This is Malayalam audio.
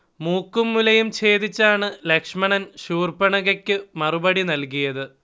മൂക്കും മുലയും ച്ഛേദിച്ചാണ് ലക്ഷ്മണൻ ശൂർപണഖയ്ക്ക് മറുപടി നൽകിയത്